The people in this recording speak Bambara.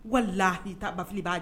Wala'i ta bali b'a